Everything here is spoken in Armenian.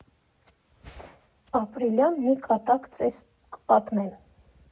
Ապրիլյան մի կատակ֊ծես կպատմեմ։